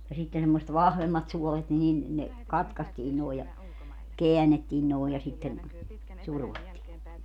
ja sitten semmoiset vahvemmat suolet niin niin ne katkaistiin noin ja käännettiin noin ja sitten survottiin